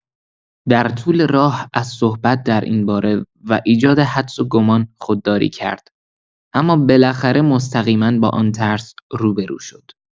در طول راه از صحبت در این باره و ایجاد حدس و گمان خودداری کرد، اما بالاخره مستقیما با آن ترس روبه‌رو شد.